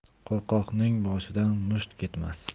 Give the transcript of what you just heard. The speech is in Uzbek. qo'rqoqning boshidan musht ketmas